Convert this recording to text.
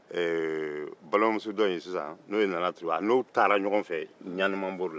ɛɛ balimamuso dɔ in n'o ye nana turuba ye a n'o taara ɲɔgɔn fɛ ɲanimaboli la